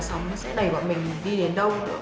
sóng sẽ đẩy bọn mình đi đến đâu